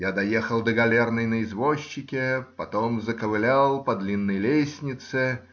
Я доехал до Галерной на извозчике, потом заковылял по длинной лестнице.